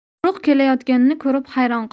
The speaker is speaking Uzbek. quruq kelayotganini ko'rib xayron qoldi